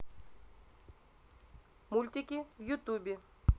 мультики в ютубе